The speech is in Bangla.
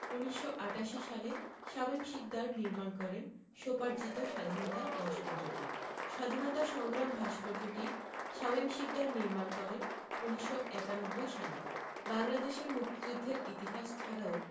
১৯৮৮ সালে শামীম শিকদার নির্মাণ করেন স্বোপার্জিত স্বাধীনতা ভাস্কর্যটি স্বাধীনতা সংগ্রাম ভাস্কর্যটি শামীম শিকদার নির্মাণ করেন ১৯৯১ সালে বাংলাদেশের মুক্তিযুদ্ধের ইতিহাস ছাড়াও